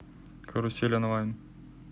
карусель онлайн